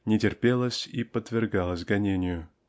не терпелось и подвергалось гонению.